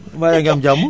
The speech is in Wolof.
mbaa yaa ngi am jàmm